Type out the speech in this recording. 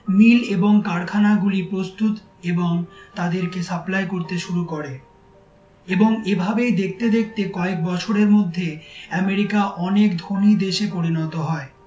মিল এবং কারখানাগুলি প্রস্তুত এবং তাদেরকে সাপ্লাই করতে শুরু করে এবং এভাবেই দেখতে দেখতে কয়েক বছরের মধ্যে এমেরিকা অনেক ধনী দেশে পরিণত হয়